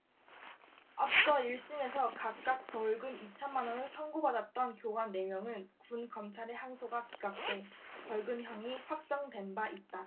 앞서 일 심에서 각각 벌금 이천 만 원을 선고받았던 교관 네 명은 군 검찰의 항소가 기각돼 벌금형이 확정된 바 있다